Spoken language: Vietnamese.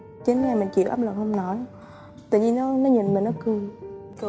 chín ngày mình chịu áp lực không nổi tự nhiên nó nó nhìn mình nó cười